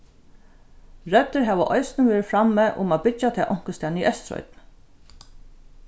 røddir hava eisini verið frammi um at byggja tað onkustaðni í eysturoynni